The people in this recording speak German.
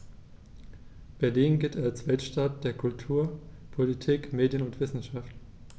Berlin gilt als Weltstadt der Kultur, Politik, Medien und Wissenschaften.